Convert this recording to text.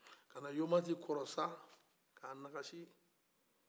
ka na yomati kɔrɔ sa ka nagasi